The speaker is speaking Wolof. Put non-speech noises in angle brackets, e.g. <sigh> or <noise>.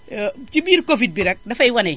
<hesitation> ci biir Covid bi rekk dafay wane